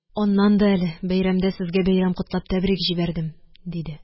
Аннан да әле бәйрәмдә сезгә бәйрәм котлап тәбрик җибәрдем, – диде.